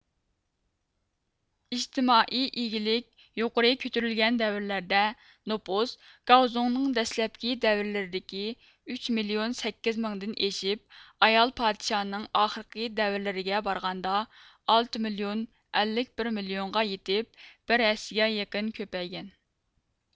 ئىجتىمائىي ئىگىلىك يۇقۇرى كۆتۈرۈلگەن دەۋىرلەردە نوپوس گاۋزۇڭنىڭ دەسلەپكى دەۋىرلىرىدىكى ئۈچ مىليون سەككىز مىڭدىن ئېشىپ ئايال پادىشانىڭ ئاخىرقى دەۋرىلىرگە بارغاندا ئالتە مىليون ئەللىك بىر مىليونغا يېتىپ بىر ھەسسىگە يېقىن كۆپەيگەن